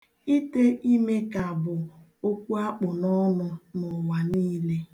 Ite ime ka bụ okwu a kpụ n'ọnụ n'ụwa niile.